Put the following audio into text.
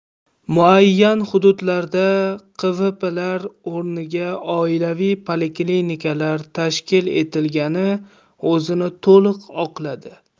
muayyan hududlarda qvplar o'rniga oilaviy poliklinikalar tashkil etilgani o'zini to'liq oqladi